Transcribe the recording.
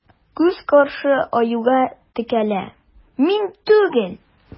Күз карашы Аюга текәлә: мин түгел.